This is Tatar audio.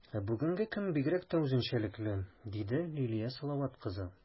Бүгенге көн бигрәк тә үзенчәлекле, - диде Лилия Салават кызы.